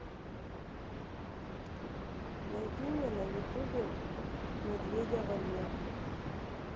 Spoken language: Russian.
найди мне на ютубе медведя валеру